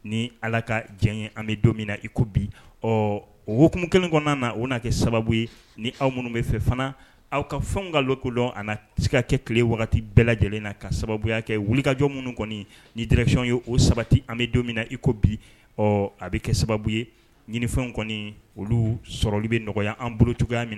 Ni ala ka diɲɛ an bɛ donmina iko bi ɔ o woumu kelen kɔnɔna na o n'a kɛ sababu ye ni aw minnu bɛ fɛ fana aw ka fɛn kalo kodɔn a se ka kɛ tile wagati bɛɛ lajɛlen na ka sababuya kɛ wulikajɔ minnu kɔni ni drecyɔn ye o sabati an bɛ donmina na iko bi ɔ a bɛ kɛ sababu ye ɲinifɛn kɔni olu sɔrɔli bɛ nɔgɔya an bolo cogoyaya minɛ